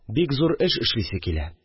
Бик зур эш эшлисе килә